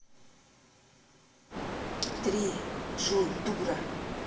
три джой дура